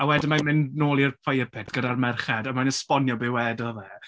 A wedyn mae'n mynd nôl i'r fire pit gyda'r merched a mae'n esbonio be wedodd e.